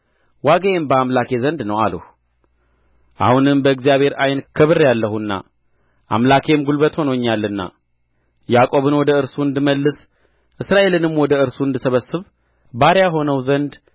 ዋጋዬም በአምላኬ ዘንድ ነው አልሁ አሁንም በእግዚአብሔር ዓይን ከብሬአለሁና አምላኬም ጕልበት ሆኖኛልና ያዕቆብን ወደ እርሱ እንድመልስ እስራኤልንም ወደ እርሱ እንድሰበስብ ባሪያ እሆነው ዘንድ